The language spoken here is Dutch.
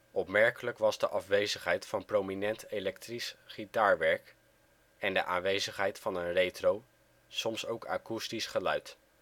Opmerkelijk was de afwezigheid van prominent elektrisch gitaarwerk en de aanwezigheid van een retro -, soms ook akoestisch geluid